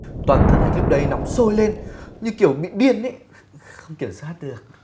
toàn thân anh lúc đấy nóng sôi lên như kiểu bị điên ý không kiểm soát được